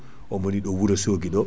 omoni ɗo Wourossogui ɗo